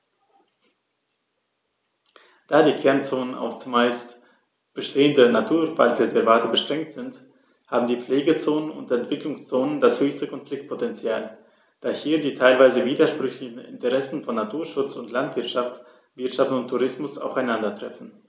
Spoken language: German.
Da die Kernzonen auf – zumeist bestehende – Naturwaldreservate beschränkt sind, haben die Pflegezonen und Entwicklungszonen das höchste Konfliktpotential, da hier die teilweise widersprüchlichen Interessen von Naturschutz und Landwirtschaft, Wirtschaft und Tourismus aufeinandertreffen.